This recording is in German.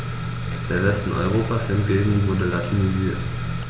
Der Westen Europas hingegen wurde latinisiert.